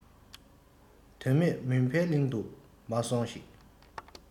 དོན མེད མུན པའི གླིང དུ མ སོང ཞིག